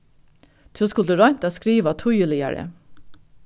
tú skuldi roynt at skrivað týðiligari